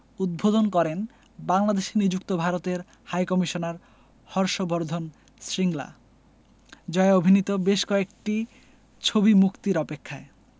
উদ্বোধন করেন বাংলাদেশে নিযুক্ত ভারতের হাইকমিশনার হর্ষ বর্ধন শ্রিংলা জয়া অভিনীত বেশ কয়েকটি ছবি মুক্তির অপেক্ষায়